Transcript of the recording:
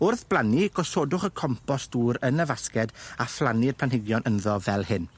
wrth blannu gosodwch y compost dŵr yn y fasged a phlannu'r planhigion ynddo fel hyn.